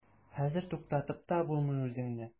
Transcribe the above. Хәзер туктатып та булмый үзеңне.